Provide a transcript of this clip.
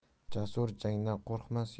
jasur jangdan qo'rqmas